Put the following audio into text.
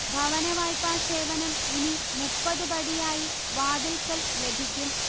ഭവന വായ്പാ സേവനം ഇനി മുപ്പത് പടിയായി വാതില്ക്കൽ ലഭിയ്ക്കും